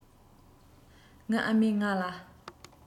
ངའི ཨ མས ང ལ